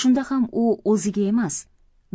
shunda ham u o'ziga emas